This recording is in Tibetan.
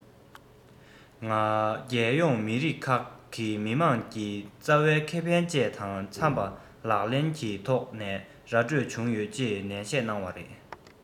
རྒྱལ ཡོངས མི རིགས ཁག གི མི དམངས ཀྱི རྩ བའི ཁེ ཕན བཅས དང འཚམས པ ལག ལེན གྱི ཐོག ནས ར འཕྲོད བྱུང ཡོད ཅེས ནན བཤད གནང བ རེད